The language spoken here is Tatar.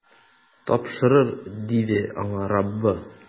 Тапшырыр, - диде аңа Раббы.